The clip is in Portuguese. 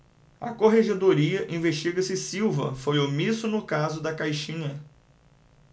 a corregedoria investiga se silva foi omisso no caso da caixinha